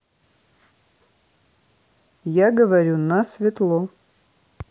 я говорю на светло